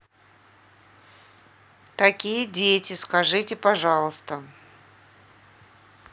такие дети скажи пожалуйста